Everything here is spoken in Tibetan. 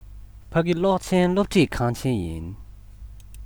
ཕ གི གློག ཅན སློབ ཁྲིད ཁང ཆེན ཡིན